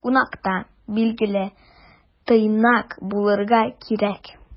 Кунакта, билгеле, тыйнак булырга кирәк.